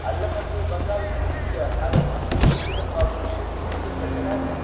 allaqanday vokal muzika abadiy dvigateli qoldirish fikriga kelsalar